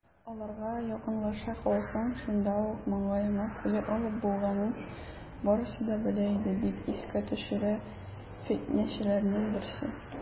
Аларга якынлаша калсаң, шунда ук маңгаеңа пуля алып булганын барысы да белә иде, - дип искә төшерә фетнәчеләрнең берсе.